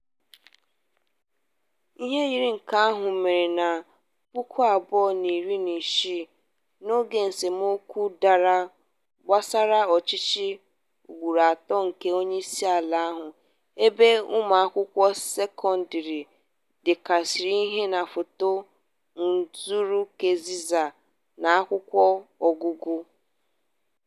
Ihe yiri nke ahụ mere na 2016, n'oge esemokwu dara gbasara ọchịchị ugboro atọ nke onyeisiala ahụ, ebe ụmụakwụkwọ sekọndrị dekasiri ihe na foto Nkurunziza n'akwụkwọ ọgụgụ.